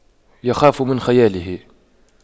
يخاف من خياله